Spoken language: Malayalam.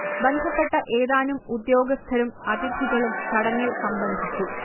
ബന്ധപ്പെട്ട ഏതാനും ഉദ്യോഗസ്ഥരും അതിഥികളും ചടങ്ങിൽ സംബന്ധിച്ചു